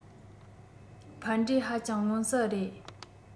ཕན འབྲས ཧ ཅང མངོན གསལ རེད